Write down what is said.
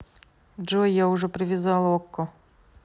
джой я уже привязала okko